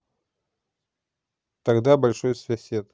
тогда большой сет